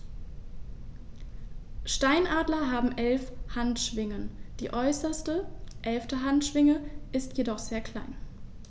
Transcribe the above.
Steinadler haben 11 Handschwingen, die äußerste (11.) Handschwinge ist jedoch sehr klein.